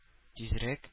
Тизрәк